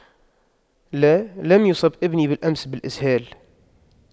لا لم يصب ابني بالأمس بالإسهال